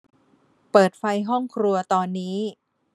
เปิดไฟห้องครัวตอนนี้